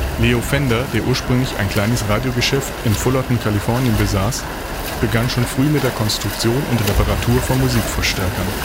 Leo Fender, der ursprünglich ein kleines Radiogeschäft in Fullerton, Kalifornien, besaß, begann schon früh mit der Konstruktion und Reparatur von Musikverstärkern